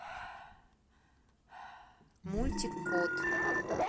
мультик код